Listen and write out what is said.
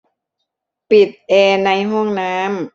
ปิดแอร์ในห้องน้ำ